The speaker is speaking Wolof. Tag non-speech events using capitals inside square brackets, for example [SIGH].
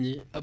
[HESITATION] [HESITATION]